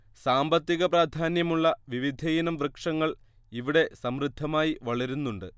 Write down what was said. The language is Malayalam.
സാമ്പത്തിക പ്രാധാന്യമുള്ള വിവിധയിനം വൃക്ഷങ്ങൾ ഇവിടെ സമൃദ്ധമായി വളരുന്നുണ്ട്